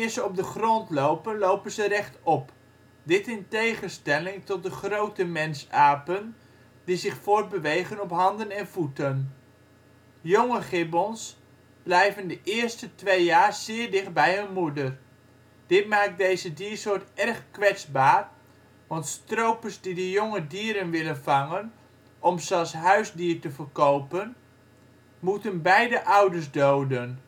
ze op de grond lopen, lopen ze rechtop. Dit in tegenstelling tot de grote mensapen, die zich voortbewegen op handen en voeten. Jonge gibbons blijven de eerste twee jaar zeer dicht bij hun moeder. Dit maakt deze diersoort extra kwetsbaar, want stropers die de jonge dieren willen vangen om ze als huisdier te verkopen, moeten beide ouders doden